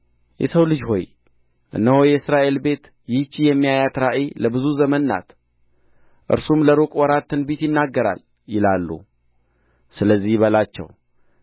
የሰው ልጅ ሆይ እነሆ የእስራኤል ቤት ይህች የሚያያት ራእይ ለብዙ ዘመን ናት እርሱም ለሩቅ ወራት ትንቢት ይናገራል ይላሉ ስለዚህ በላቸው